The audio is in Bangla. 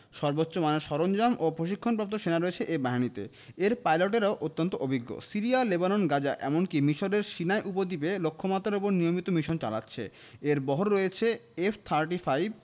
সর্বোচ্চ মানের সরঞ্জাম ও প্রশিক্ষণপ্রাপ্ত সেনা রয়েছে এ বাহিনীতে এর পাইলটেরাও অত্যন্ত অভিজ্ঞ সিরিয়া লেবানন গাজা এমনকি মিসরের সিনাই উপদ্বীপে লক্ষ্যমাত্রার ওপর নিয়মিত মিশন চালাচ্ছে এর বহরে রয়েছে এফ থার্টি ফাইভ